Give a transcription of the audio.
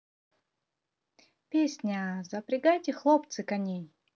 песня запрягайте хлопцы коней